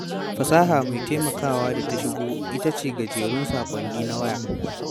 Fasaha mai taimakawa da ta shigo ita ce gajerun saƙonni na waya.